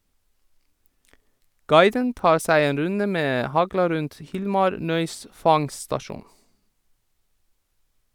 Guiden tar seg en runde med hagla rundt Hilmar Nøis' fangststasjon.